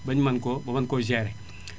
ba ñu mën koo ba mën koo gérer